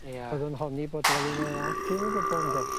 Ia. ...odd yn honi bod fynny'n yr allt dwi'm yn gwbo ynde?